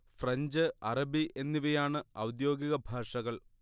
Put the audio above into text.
French അറബി എന്നിവയാണ് ഔദ്യോഗിക ഭാഷകൾ